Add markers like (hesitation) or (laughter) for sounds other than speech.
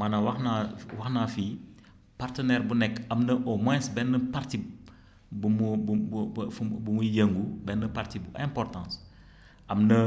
maanaam wax naa wax naa fii partenaire bu nekk am na au moins benn partie bu mu bu (hesitation) bu muy yëngu benn partie bu importance (breath) am na